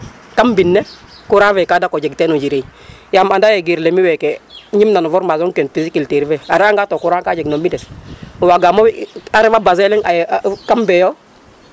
Ii sokoy no sax o lakas ole no ɓasil ne kam mbind ne courant fe ka daka jeg ten o njiriñ yaam anda yee giir wene mi' meke ñimna no formation pisiculture fe a refanga to courant ka jeg no mbindes waagaam o a refa bassin leŋ a kam fe yo